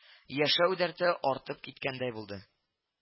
Яшәү дәрте артып киткәндәй булды